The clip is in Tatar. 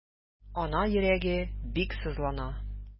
Ана йөрәге бик сызлана.